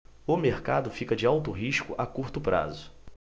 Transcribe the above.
o mercado fica de alto risco a curto prazo